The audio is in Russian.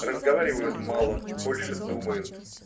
Разговаривают мало, больше думают.